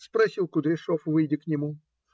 - спросил Кудряшов, выйдя к нему.